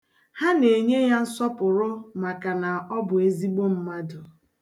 Ha na-enye ya nsọpụrụ maka na ọ bụ ezigbo mmadụ.